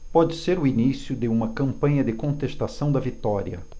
pode ser o início de uma campanha de contestação da vitória